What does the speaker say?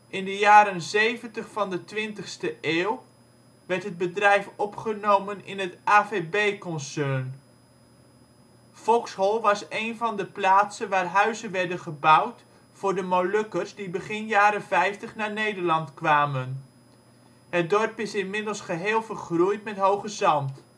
In de jaren zeventig van de 20e eeuw werd het bedrijf opgenomen in het AVEBE-concern. Foxhol was een van de plaatsen waar huizen werden gebouwd voor de Molukkers die begin jaren vijftig naar Nederland kwamen. Het dorp is inmiddels geheel vergroeid met Hoogezand